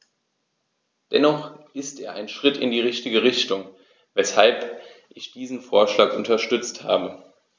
Dennoch ist er ein Schritt in die richtige Richtung, weshalb ich diesen Vorschlag unterstützt habe.